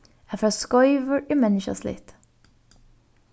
at fara skeivur er menniskjaligt